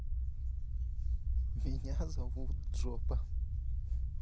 меня зовут джопа